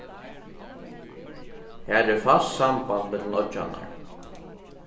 har er fast samband millum oyggjarnar